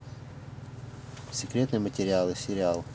секретные материалы сериал